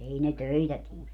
ei ne töitä tee